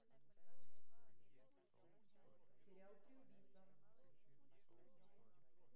сериал три убийства